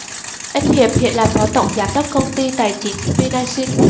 anh hiệp hiện là phó tổng giám đốc công ty tài chính vinashin